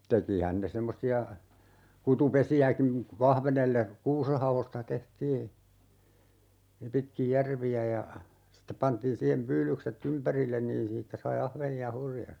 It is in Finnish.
tekihän ne semmoisia kutupesiäkin kun ahvenelle kuusenhaoista tehtiin pitkin järviä ja sitten pantiin siihen pyydykset ympärille niin siitä sai ahvenia hurjasti